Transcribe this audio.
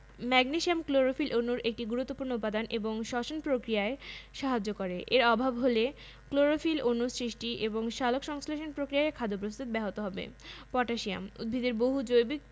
উদ্ভিদের স্বাভাবিক বৃদ্ধির জন্য মাইক্রোনিউট্রিয়েন্টগুলোও গুরুত্বপূর্ণ ভূমিকা পালন করে যেমন ম্যাংগানিজ ক্লোরোপ্লাস্ট গঠন ও সংরক্ষণের জন্য ম্যাংগানিজ প্রয়োজন